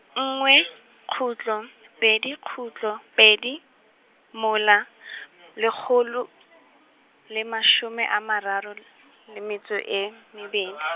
nngwe kgutlo pedi, kgutlo pedi mola , lekgolo, le mashome a mararo l-, le metso e mebedi.